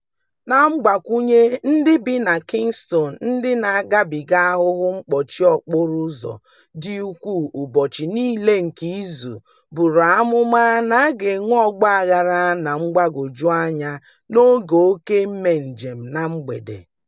Na mgbakwụnye, ndị bi na Kingston, ndị na-agabiga ahụhụ mkpọchi okporo ụzọ dị ukwuu ụbọchị niile nke izu, buuru amụma na a ga-enwe ọgbaaghara na mgbagwọju anya n'oge oke mmenjem na mgbede.